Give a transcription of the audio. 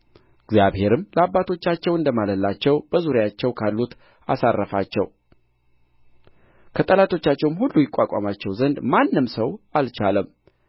እግዚአብሔርም ለአባቶቻቸው እንደ ማለላቸው በዙሪያቸው ካሉት አሳረፋቸው ከጠላቶቻቸውም ሁሉ ይቋቋማቸው ዘንድ ማንም ሰው አልቻለም